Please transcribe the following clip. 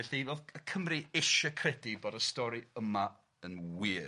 Felly o'dd Cymry isie credu bod y stori yma yn wir.